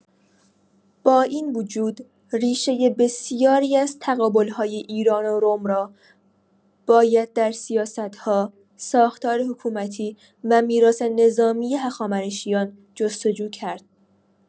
با این وجود، ریشه بسیاری از تقابل‌های ایران و روم را باید در سیاست‌ها، ساختار حکومتی و میراث نظامی هخامنشیان جست‌وجو کرد؛